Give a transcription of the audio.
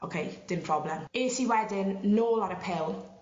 Oce dim problem es i wedyn nôl ar y pil